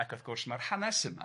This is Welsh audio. Ac wrth gwrs, ma'r hanes yma,